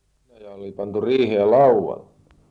kuulittekos te semmoista että vainaja oli pantu riiheen laudalle